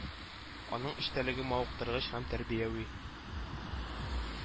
Аның эчтәлеге мавыктыргыч һәм тәрбияви